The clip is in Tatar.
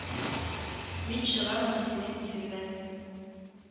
Мин чыгармын синең исеңнән.